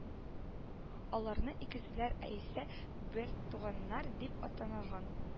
Аларны игезәкләр яисә бертуганнар дип атанаган